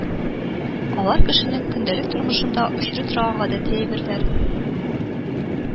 Алар кешенең көндәлек тормышында очрый торган гадәти әйберләр